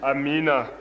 amiina